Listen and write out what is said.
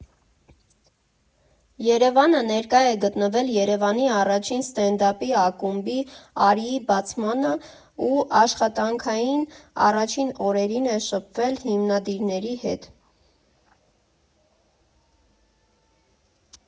ԵՐԵՎԱՆը ներկա է գտնվել Երևանի առաջին ստենդափ ակումբի՝ «Արիի» բացմանն ու աշխատանքային առաջին օրերին և շփվել հիմնադիրների հետ։